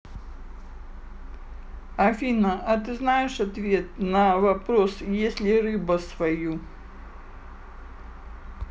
афина а ты знаешь ответ на вопрос есть ли рыба свою